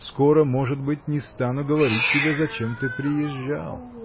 скоро, может быть, не стану говорить тебе, зачем ты приезжал.